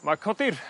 Ma' codi'r